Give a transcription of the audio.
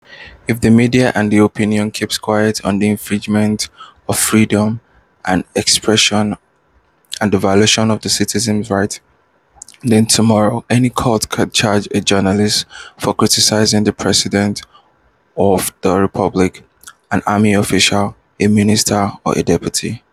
If the media and the opinion keep quiet on this infringement of freedom of expression and the violation of a citizen's rights, then tomorrow any court can charge a journalist for criticizing the president of the republic, an army official, a minister or a deputy.